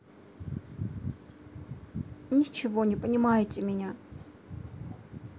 ничего не понимаете меня